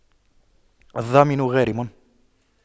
الضامن غارم